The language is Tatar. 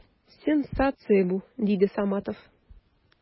Сенсация бу! - диде Саматов.